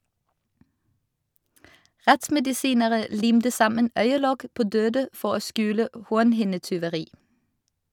Rettsmedisinere limte sammen øyelokk på døde for å skjule hornhinnetyveri.